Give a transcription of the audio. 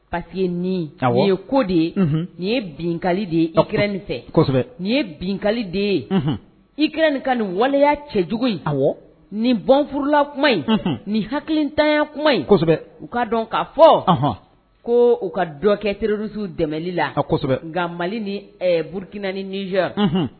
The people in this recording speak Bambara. Paseke ni ye ko de ye nin ye binkali de ye ikra nin fɛ nin ye binkali de ye ik kɛra nin ka nin waleya cɛ jugu in ni bɔnfla kuma in ni hakilitanya kuma insɛbɛ u ka dɔn k ka fɔ ko u ka dɔ kɛ teriruru dɛmɛli la ka nka mali ni burukinazya